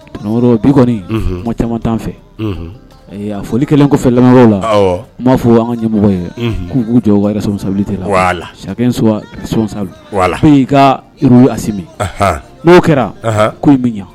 Tunkara bi kɔni caman tan fɛ . Unhun A foli kɛlen kɔfɛ lamɛnbagaw la . Awɔ n ba fɔ an ka ɲɛmɔgɔ ye ku ku jɔ u ka responsabilité kɔrɔ . chacun soit responsable faut que i ki ka role assume . No kɛra ko in bi ɲɛ.